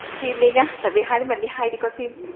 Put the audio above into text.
phim đi nhá tại vì hai đứa mình hay đi coi phim